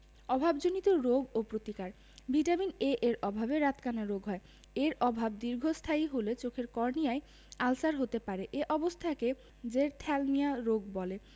অভাবজনিত রোগ ও প্রতিকার ভিটামিন এএর অভাবে রাতকানা রোগ হয় এর অভাব দীর্ঘস্থায়ী হলে চোখের কর্নিয়ায় আলসার হতে পারে এ অবস্থাকে জেরথ্যালমিয়া রোগ বলে